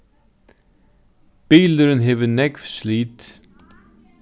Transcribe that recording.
bilurin hevur nógv slit